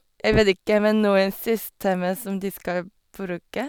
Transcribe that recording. Jeg vet ikke, men noen systemet som de skal bruke.